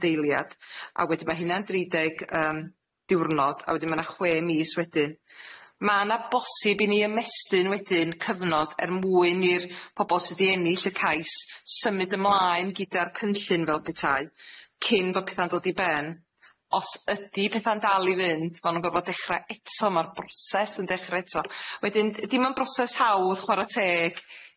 A wedyn ma' hynna'n dri deg yym diwrnod, a wedyn ma' 'na chwe mis wedyn. Ma' 'na bosib i ni ymestyn wedyn cyfnod er mwyn i'r pobol sy 'di ennill y cais symud ymlaen gyda'r cynllun fel petau, cyn bo' petha'n dod i ben. Os ydi petha'n dal i fynd ma' nw'n gorfod dechra eto, ma'r broses yn dechre eto, wedyn dim yn broses hawdd chwara teg